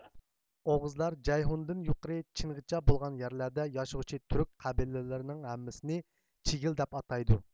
ئوغۇزلار جەيھۇندىن يۇقىرى چىنغىچە بولغان يەرلەردە ياشىغۇچى تۈرك قەبىلىلىرىنىڭ ھەممىسىنى چىگىل دەپ ئاتايدۇ